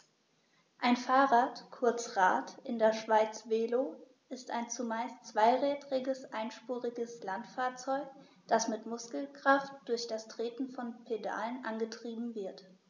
Ein Fahrrad, kurz Rad, in der Schweiz Velo, ist ein zumeist zweirädriges einspuriges Landfahrzeug, das mit Muskelkraft durch das Treten von Pedalen angetrieben wird.